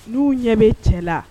N'u ɲɛmɛ cɛ la